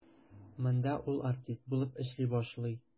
Монда ул артист булып эшли башлый.